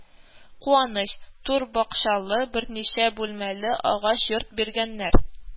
Куаныч: түр бакчалы, берничә бүлмәле агач йорт биргәннәр